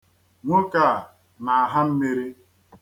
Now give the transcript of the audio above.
Nwoke a na-aha mmiri.